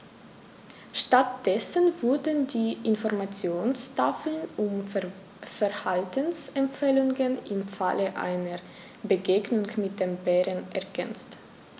Stattdessen wurden die Informationstafeln um Verhaltensempfehlungen im Falle einer Begegnung mit dem Bären ergänzt.